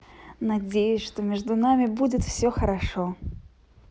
надеюсь что между нами будет все хорошо